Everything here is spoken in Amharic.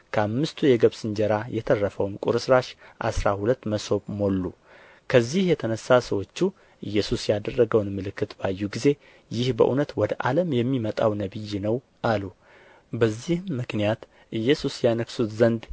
ከአምስቱ የገብስ እንጀራ የተረፈውን ቍርስራሽ አሥራ ሁለት መሶብ ሞሉ ከዚህ የተነሣ ሰዎቹ ኢየሱስ ያደረገውን ምልክት ባዩ ጊዜ ይህ በእውነት ወደ ዓለም የሚመጣው ነቢይ ነው አሉ በዚህም ምክንያት ኢየሱስ ያነግሡት ዘንድ